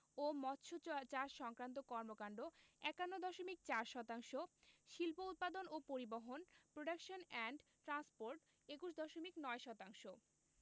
ও মৎসচাষ সংক্রান্ত কর্মকান্ড ৫১ দশমিক ৪ শতাংশ শিল্প উৎপাদন ও পরিবহণ প্রোডাকশন এন্ড ট্রান্সপোর্ট ২১ দশমিক ৯ শতাংশ